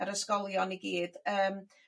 yr ysgolion i gyd yym.